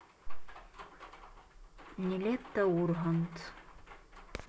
нилетто ургант